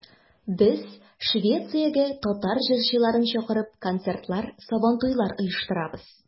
Без, Швециягә татар җырчыларын чакырып, концертлар, Сабантуйлар оештырабыз.